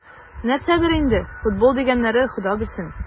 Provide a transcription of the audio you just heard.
Нәрсәдер инде "футбол" дигәннәре, Хода белсен...